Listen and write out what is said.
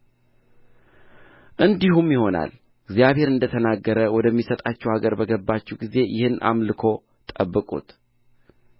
እንዲህም ይሆናል እግዚአብሔር እንደ ተናገረ ወደ ሚሰጣችሁ አገር በገባችሁ ጊዜ ይህን አምልኮ ጠብቁት